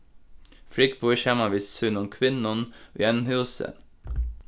frigg býr saman við sínum kvinnum í einum húsi